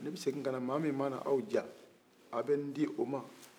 ne bi segin kana mɔgɔ min mana aw ja a' bɛ di o ma